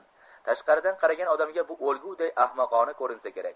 tashqaridan qaragan odamga bu o'lguday ahmoqona ko'rinsa kerak